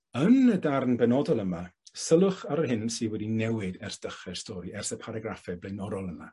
Yn y darn benodol yma sylwch ar yr hyn sydd wedi newid ers dechre'r stori ers y paragraffe blaenorol yma.